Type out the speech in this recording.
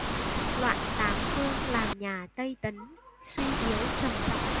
loạn tám vương làm nhà tây tấn suy yếu trầm trọng